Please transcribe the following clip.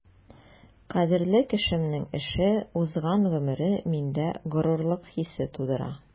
Кадерле кешемнең эше, узган гомере миндә горурлык хисе тудыра.